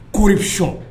K kori sɔn